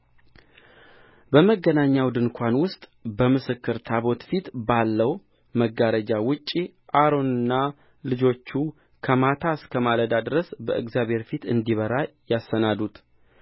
በመገናኛው ድንኳን ውስጥ በምስክሩ ታቦት ፊት ባለው መጋረጃ ውጭ አሮንና ልጆቹ ከማታ እስከ ማለዳ ድረስ በእግዚአብሔር ፊት እንዲበራ ያሰናዱት